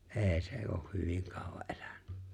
ei se ole hyvin kauan elänyt